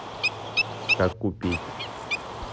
как купить